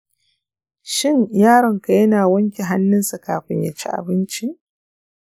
shin yaronka yana wanke hannunsa kafin ya ci abinci?